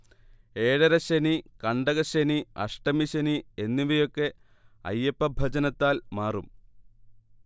ഏഴരശ്ശനി, കണ്ടകശ്ശനി, അഷ്ടമിശനി എന്നിവയൊക്കെ അയ്യപ്പഭജനത്താൽ മാറും